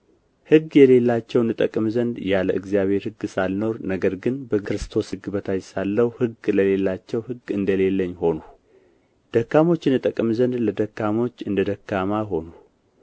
ሕግ የሌላቸውን እጠቅም ዘንድ ያለ እግዚአብሔር ህግ ሳልኖር ነገር ግን በክርስቶስ ሕግ በታች ሳለሁ ሕግ ለሌላቸው ሕግ እንደ ሌለኝ ሆንሁ ደካሞችን እጠቅም ዘንድ ለደካሞች እንደ ደካማ ሆንሁ